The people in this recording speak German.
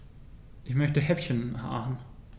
Ich möchte Häppchen machen.